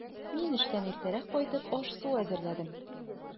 Мин, эштән иртәрәк кайтып, аш-су әзерләдем.